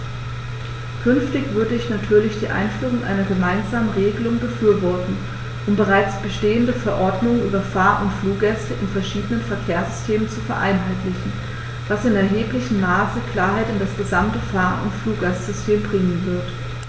Künftig würde ich natürlich die Einführung einer gemeinsamen Regelung befürworten, um bereits bestehende Verordnungen über Fahr- oder Fluggäste in verschiedenen Verkehrssystemen zu vereinheitlichen, was in erheblichem Maße Klarheit in das gesamte Fahr- oder Fluggastsystem bringen wird.